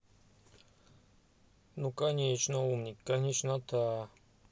ну конечно умник конечнота